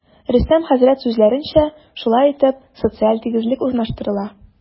Рөстәм хәзрәт сүзләренчә, шулай итеп, социаль тигезлек урнаштырыла.